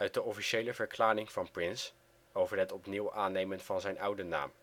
de officiële verklaring van Prince over het opnieuw aannemen van zijn oude naam